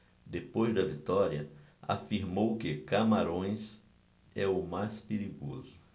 depois da vitória afirmou que camarões é o mais perigoso